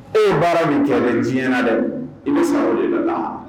E ye baara min tɛ dɛ diɲɛɲɛna dɛ i bɛ se o de la la